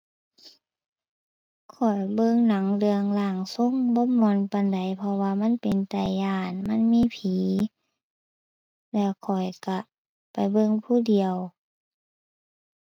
ข้อยเบิ่งหนังเรื่องร่างทรงบ่ม่วนปานใด เพราะว่ามันเป็นตาย้าน มันมีผี แล้วข้อยก็ไปเบิ่งผู้เดียว